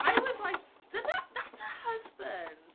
I was like, dyna... that's a husband.